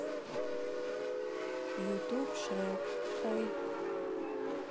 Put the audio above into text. ютуб шрек ой